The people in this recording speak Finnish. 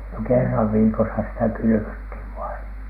no kerran viikossa sitä kylvettiin vain